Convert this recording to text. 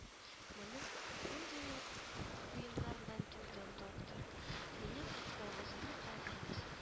— монң мондый уе уеннарыннан туйдым, доктор. минем ялгызымны калдырыгыз